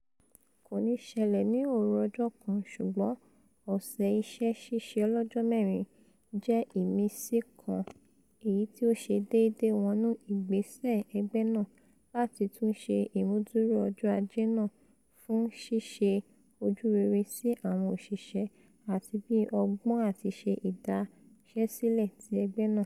Kòní ṣẹ́lẹ̀ ni òòru ọjọ́ kan ṣùgbọ́n ọ̀sẹ̀ iṣẹ́-ṣíṣe ọlọ́jọ́-mẹ́rin jẹ ìmísí kan èyití ó ṣe déédéé wọnú ìgbéṣẹ̀ ẹgbẹ́ náà láti túnṣe ìmúdúró ọrọ̀-ajé náà fún ṣíṣe ojú rere sí àwọn òṣìṣẹ́ àti bíi ọgbọn-àtiṣe ìdáṣẹ́sílẹ̀ ti ẹgbẹ́ náà.